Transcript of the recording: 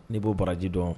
N'i'o baraji dɔn